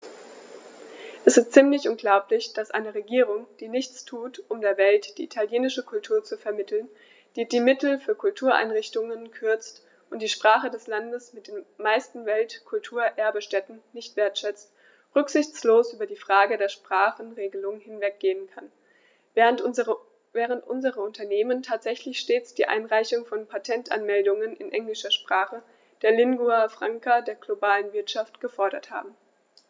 Es ist ziemlich unglaublich, dass eine Regierung, die nichts tut, um der Welt die italienische Kultur zu vermitteln, die die Mittel für Kultureinrichtungen kürzt und die Sprache des Landes mit den meisten Weltkulturerbe-Stätten nicht wertschätzt, rücksichtslos über die Frage der Sprachenregelung hinweggehen kann, während unsere Unternehmen tatsächlich stets die Einreichung von Patentanmeldungen in englischer Sprache, der Lingua Franca der globalen Wirtschaft, gefordert haben.